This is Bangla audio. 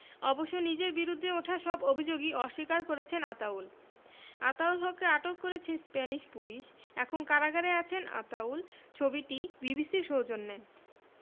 অবশ্য নিজের বিরুদ্ধে ওঠা সব অভিযোগই অস্বীকার করেছেন আতাউল আতাউল হককে আটক করেছে স্প্যানিশ পুলিশ এখন কারাগারে আছেন আতাউল ছবিটি বিবিসির সৌজন্যে